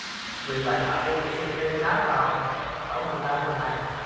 vì vậy bạn nên bổ sung thêm cá vào khẩu phần ăn hàng ngày